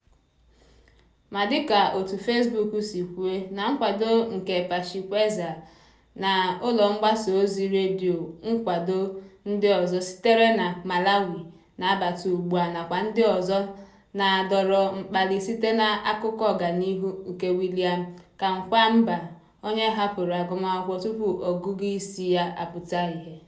Ma dịka òtù Facebook si kwuo "na nkwado nke Pachikweza Radio Station", nkwado ndị ọzọ sitere na Malawi na-abata ugbua, nakwa ndị ọzọ na-adọrọ mkpali site n'akụkọ ọganihu nke William Kamkwamba, onye hapụrụ agụmakwụkwọ tupu ọgụgụisi ya apụta ihe.